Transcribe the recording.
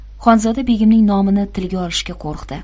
mulla fazliddin xonzoda begimning nomini tilga olishga qo'rqdi